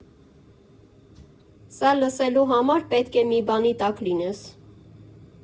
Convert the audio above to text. Սա լսելու համար պետք է մի բանի տակ լինես։